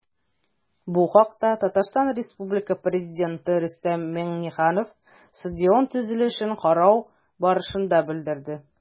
Бу хакта ТР Пррезиденты Рөстәм Миңнеханов стадион төзелешен карау барышында белдерде.